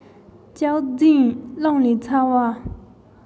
སྐྱག རྫུན རླུང ལས ཚ བ